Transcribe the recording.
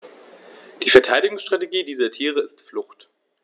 Die Verteidigungsstrategie dieser Tiere ist Flucht.